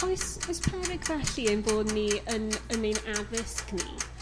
Oes oes peryg felly ein fod ni yn yn ein addysg ni